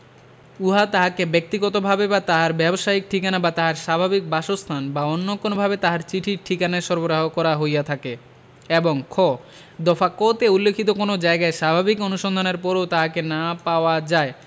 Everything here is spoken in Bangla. উহা তাহাকে ব্যাক্তিগতভাবে বা তাহার ব্যবসায়িক ঠিকানা বা তাহার স্বাভাবিক বাসস্থান বা অন্য কোনভাবে তাহার চিঠির ঠিকানায় সরবরাহ করা হইয়া থাকে এবং খ দফা ক তে উল্লেখিত কোন জায়গায় স্বাভাবিক অনুসন্ধানের পরও তাহাকে না পাওয়া যায়